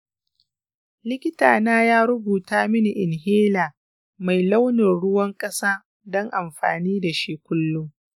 likitana ya rubuta mini inhaler mai launin ruwan ƙasa don amfani da shi kullum.